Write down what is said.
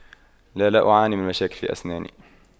لا لا أعاني من مشاكل في أسناني